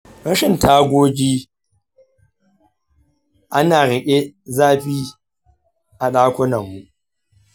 rashin tagogi a na rike zafi a ɗakunanmu.